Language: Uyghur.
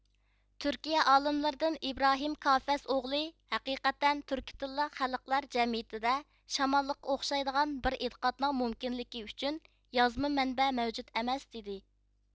تۈركىيە ئالىملىرىدىن ئىبراھىم كافەس ئوغلى ھەقىقەتەن تۈركىي تىللىق خەلقلەر جەمئىيىتىدە شامانلىققا ئوخشايدىغان بىر ئېتىقادنىڭ مۇمكىنلىكى ئۈچۈن يازما مەنبە مەۋجۇت ئەمەس دېدى